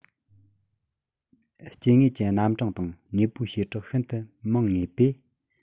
སྐྱེ དངོས ཀྱི རྣམ གྲངས དང དངོས པོའི བྱེ བྲག ཤིན ཏུ མང ངེས པས